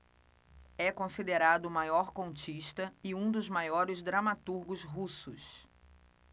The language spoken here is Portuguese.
é considerado o maior contista e um dos maiores dramaturgos russos